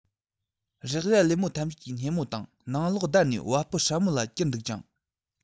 རེག རྭ ལེབ མོ ཐམས ཅད ཀྱི སྣེ མོ དང ནང ལོགས བརྡར ནས བ སྤུ སྲ མོ ལ གྱུར འདུག ཅིང